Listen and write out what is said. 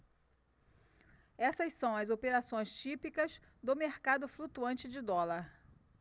essas são as operações típicas do mercado flutuante de dólar